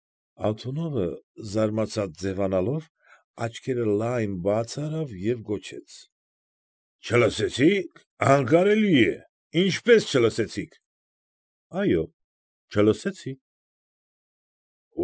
Ալթունովը զարմացած ձևանալով, աչքերը լայն բաց արավ և գոչեց. ֊ Չլսեցի՞ք, անկարելի է, ինչպե՞ս չլսեցիք։ ֊ Այո՛, չլսեցի։ ֊